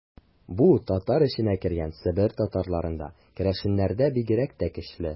Бу татар эченә кергән Себер татарларында, керәшеннәрдә бигрәк тә көчле.